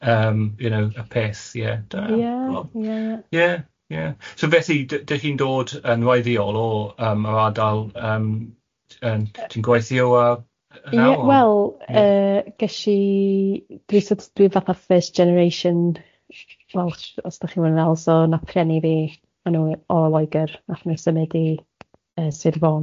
Yym you know y peth ie da... Ia. ...ie ie so fethu d- dach chi'n dod yn roeddiol o yym yr ardal yym yn ti'n gweithio a yy... wel ges i dwi wel y dwi fatha first generation welsh, os da chi'n alw, ma rhieni fi o Lloegr, nath nhw symud i Sir Fôn